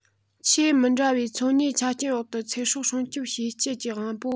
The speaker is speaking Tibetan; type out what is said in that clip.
ཆེས མི འདྲ བའི འཚོ གནས ཆ རྐྱེན འོག ཏུ ཚེ སྲོག སྲུང སྐྱོབ བྱེད སྤྱད ཀྱི དབང པོ